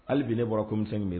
Hali bi ne bɔra komisɛne